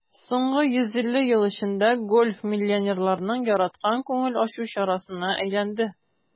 Соңгы 150 ел эчендә гольф миллионерларның яраткан күңел ачу чарасына әйләнде.